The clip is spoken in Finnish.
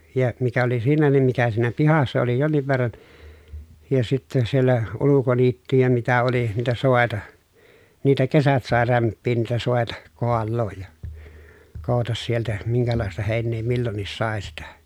ja mikä oli siinä niin mikä siinä pihassa oli jonkin verran ja sitten siellä ulkoniittyjä mitä oli niitä soita niitä kesät sai rämpiä niitä soita kaaloa ja koota sieltä minkälaista heinää milloinkin sai sitä